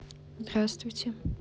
здравствуйте